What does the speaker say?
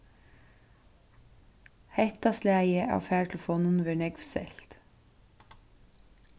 hetta slagið av fartelefonum verður nógv selt